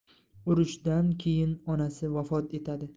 urushdan keyin onasi vafot etadi